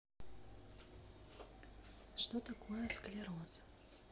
что такое склероз